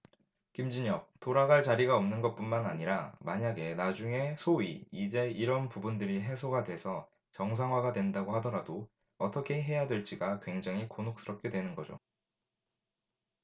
김진혁 돌아갈 자리가 없는 것뿐만 아니라 만약에 나중에 소위 이제 이런 부분들이 해소가 돼서 정상화가 된다고 하더라도 어떻게 해야 될지가 굉장히 곤혹스럽게 되는 거죠